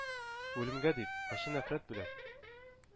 «үлемгә, дип, ачы нәфрәт белән